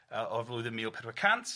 Yy o'r flwyddyn mil pedwar cant.